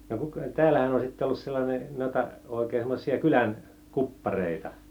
no - täällähän on sitten ollut sellainen noita oikein semmoisia kylän kuppareita